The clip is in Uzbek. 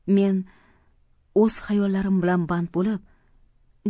men o'z xayollarim bilan band bo'lib